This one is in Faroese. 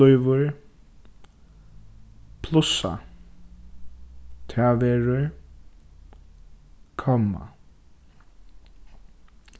blívur plussa tað verður komma